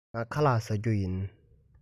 ངས ཁ ལག བཟས མེད